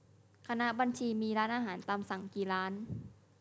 คณะบัญชีมีร้านอาหารตามสั่งกี่ร้าน